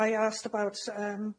I asked about um